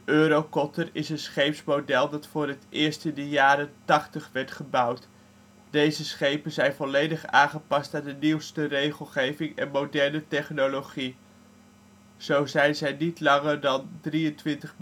Eurokotter is een scheepsmodel dat voor het eerst in de jaren ' 80 werd gebouwd. Deze schepen zijn volledig aangepast aan de nieuwste regelgeving en moderne technologie. Zo zijn zij niet langer dan 23,99 meter